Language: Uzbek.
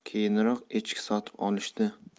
keyinroq echki sotib olishdi